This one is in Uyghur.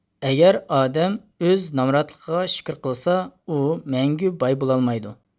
ئەگەر ئادەم ئۆز نامراتلىقىغا شۈكۈر قىلسا ئۇ مەڭگۈ باي بولالمايدۇ